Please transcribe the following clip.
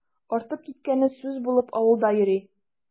Артып киткәне сүз булып авылда йөри.